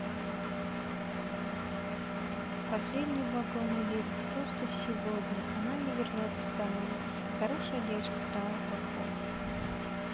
последний вагон уедет просто сегодня она не вернется домой хорошая девочка стала плохой